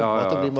ja ja ja.